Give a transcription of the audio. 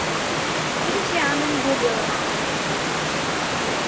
«Ի՞նչ է անում Գուգլը.